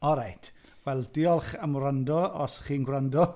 O reit. Wel diolch am wrando, os chi'n gwrando.